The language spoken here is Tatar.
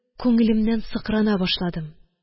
Күңелемнән сыкрана башладым